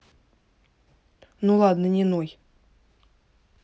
ну ладно не ной